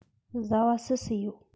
བཟའ བ སུ སུ ཡོད